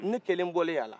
nin kelen bɔlen a la